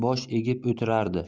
bosh egib o'tirardi